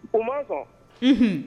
O man kɔ h